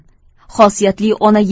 xosiyatli ona